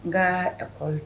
N nka akɔ